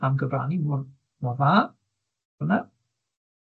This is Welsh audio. am gyfrannu mor mor dda fyl 'na.